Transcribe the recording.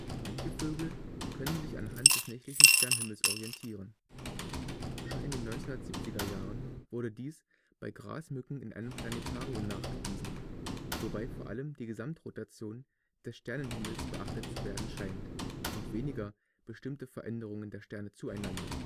Manche Vögel können sich anhand des nächtlichen Sternhimmels orientieren. Schon in den 1970er Jahren wurde dies bei Grasmücken in einem Planetarium nachgewiesen, wobei vor allem die Gesamtrotation des Sternenhimmels beachtet zu werden scheint und weniger bestimmte Veränderungen der Sterne zueinander